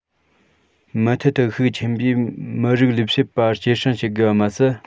མུ མཐུད དུ ཤུགས ཆེན པོས མི རིགས ལས བྱེད པ སྐྱེད སྲིང བྱེད དགོས པ མ ཟད